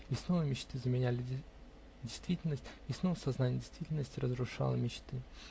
И снова мечты заменяли действительность, и снова сознание действительности разрушало мечты.